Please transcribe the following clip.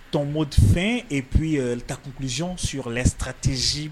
Tɔonmodifɛn epu yɛrɛ taksi s sutatiz